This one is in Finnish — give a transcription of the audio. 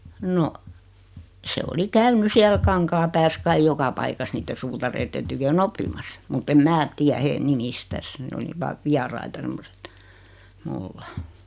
no se oli käynyt siellä Kankaanpäässä kai joka paikassa niiden suutareiden tykönä oppimassa mutta en minä tiedä heidän nimistään ne oli vain vieraita semmoiset minulla